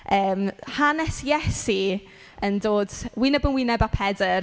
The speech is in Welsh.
Yym hanes Iesu yn dod wyneb yn wyneb â Pedr.